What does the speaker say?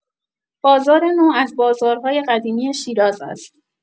بازار نو از بازارهای قدیمی شیراز است.